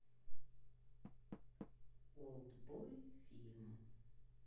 олдбой фильм